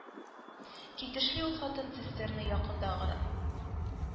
Китешли ул хатын цистерна якындагыра